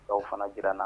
Dɔw fana jira na